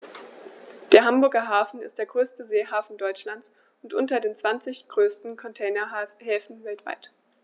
Der Hamburger Hafen ist der größte Seehafen Deutschlands und unter den zwanzig größten Containerhäfen weltweit.